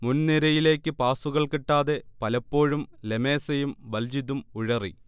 മുൻനിരയിലേക്ക് പാസുകൾ കിട്ടാതെ പലപ്പോഴും ലെമേസയും ബൽജിതും ഉഴറി